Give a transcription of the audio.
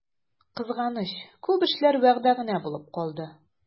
Кызганыч, күп эшләр вәгъдә генә булып калды.